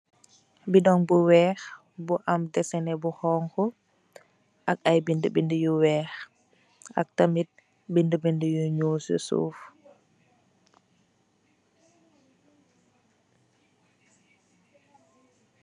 bidon bu weex bu am designe bu honha ak ai bindeh bindeh yu weyh ak tamit bindeh bideh yu ñuul si suf